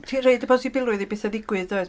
Ti'n roid y posibilwydd i betha ddigwydd dwyt.